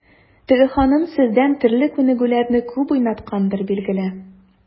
Теге ханым сездән төрле күнегүләрне күп уйнаткандыр, билгеле.